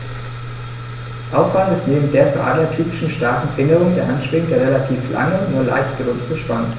Auffallend ist neben der für Adler typischen starken Fingerung der Handschwingen der relativ lange, nur leicht gerundete Schwanz.